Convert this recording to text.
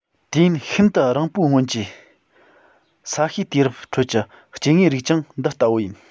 དུས ཡུན ཤིན ཏུ རིང པོའི སྔོན གྱིས ས གཤིས དུས རབས ཁྲོད ཀྱི སྐྱེ དངོས རིགས ཀྱང འདི ལྟ བུ ཡིན